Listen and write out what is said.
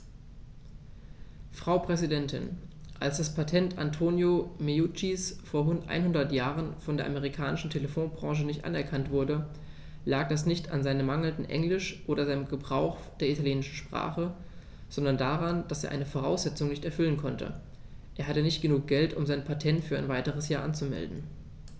Frau Präsidentin, als das Patent Antonio Meuccis vor einhundert Jahren von der amerikanischen Telefonbranche nicht anerkannt wurde, lag das nicht an seinem mangelnden Englisch oder seinem Gebrauch der italienischen Sprache, sondern daran, dass er eine Voraussetzung nicht erfüllen konnte: Er hatte nicht genug Geld, um sein Patent für ein weiteres Jahr anzumelden.